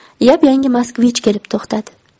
yap yangi moskvich kelib to'xtadi